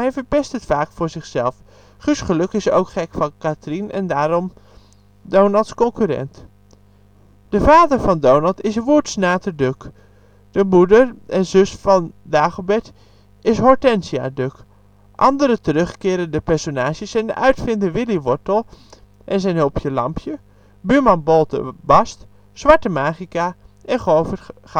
verpest het vaak voor zichzelf. Guus Geluk is ook gek op Katrien, en daarom Donalds concurrent. De vader van Donald is Woerd Snater Duck. De moeder, en zus van Dagobert, is Hortensia Duck. Andere terugkerende personages zijn de uitvinder Willie Wortel en zijn hulpje Lampje, Buurman Bolderbast, Zwarte Magica en Govert